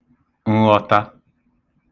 nghọta